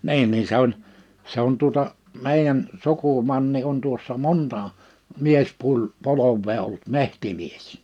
niin niin se oli se on tuota meidän sukumanni on tuossa monta - miespolvea ollut metsämies